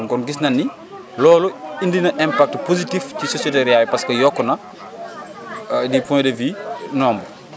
comme gis nañu ni loolu indi na impact positif ci sociétariat bi parce que yokku na du point de vue nombre